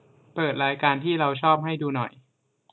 เปิดรายการที่เราชอบให้ดูหน่อย